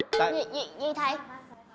gì gì thầy